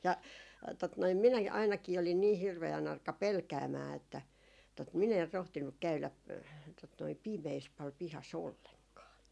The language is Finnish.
ja tuota noin minäkin ainakin olin niin hirveän arka pelkäämään että tuota minä en rohtinut käydä tuota noin pimeässä paljon pihassa ollenkaan